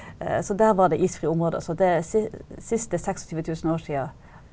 så der var det isfrie områder så det siste 26000 år sia.